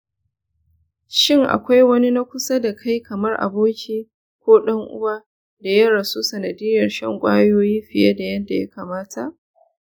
shin akwai wani na kusa da kai kamar aboki ko ɗan uwa da ya rasu sanadiyyar shan ƙwayoyi fiye da yanda ya kamata?